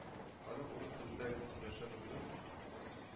Аның урыс телендә генә сөйләшә белүе